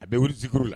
A bɛ wuli cikuru la